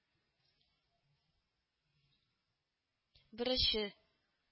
Беренче